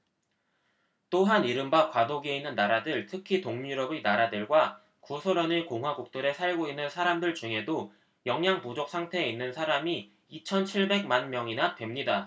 또한 이른바 과도기에 있는 나라들 특히 동유럽의 나라들과 구소련의 공화국들에 살고 있는 사람들 중에도 영양 부족 상태에 있는 사람이 이천 칠백 만 명이나 됩니다